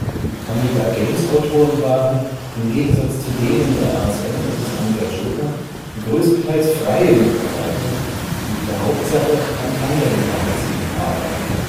Die Amiga-Games-Autoren waren, im Gegensatz zu denen der ASM und des Amiga Joker, größtenteils freie Mitarbeiter, die in der Hauptsache an anderen Magazinen arbeiteten